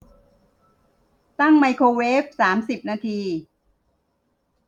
ตั้งไมโครเวฟสามสิบนาที